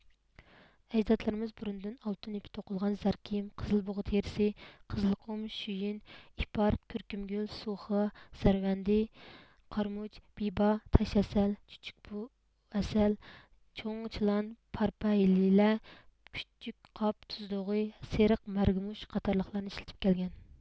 ئەجدادلىرىمىز بۇرۇندىن ئالتۇن يىپتا توقۇلغان زەر كىيىم قىزىل بۇغا تېرىسى قىزىل قۇم شۈييىن ئىپار كۈركۈم گۈل سۇخې زىراۋەندى قارامۇچ بىبا تاش ھەسەل چۈچۈك ھەسەل چوڭ چىلان پارپا ھېلىلە پۈچۈك قاپ تۈز دۇغى سېرىق مەرگىمۇش قاتارلىقلارنى ئىشلىتىپ كەلگەن